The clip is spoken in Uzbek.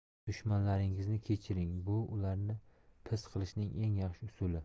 dushmanlaringizni kechiring bu ularni piss qilishning eng yaxshi usuli